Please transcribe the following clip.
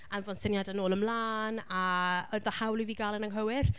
anfon syniadau nôl a mlaen, a oedd 'na hawl i fi gael e’n anghywir.